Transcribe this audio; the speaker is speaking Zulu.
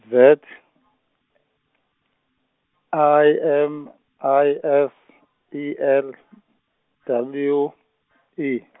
Z, I, M, I, F, E, L, W, E.